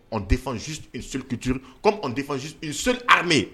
Tɛfasituru tɛsi so hame